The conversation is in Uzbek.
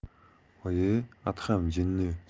oyi adham jinni